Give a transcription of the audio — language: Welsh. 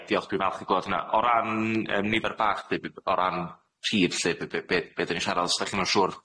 Yy ia diolch dwi'n falch i glywad hynna o ran yym nifer bach de- o ran hir lly b- b- be- be- be- be' 'dyn ni'n sharad os dych chi'm yn siwr